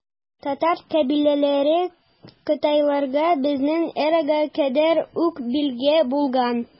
Татар кабиләләре кытайларга безнең эрага кадәр үк билгеле булган.